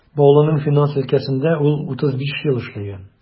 Баулының финанс өлкәсендә ул 35 ел эшләгән.